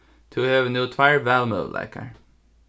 tú hevur nú tveir valmøguleikar